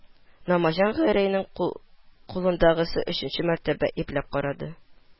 Намаҗан Гәрәйнең кулындагысын өченче мәртәбә ипләп карады